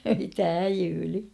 mitähän häijyili